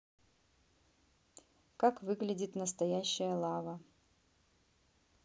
как выглядит настоящая лава